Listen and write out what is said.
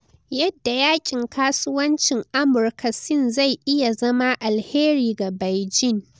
Yadda yakin kasuwancin Amurka-Sin zai iya zama alheri ga Beijing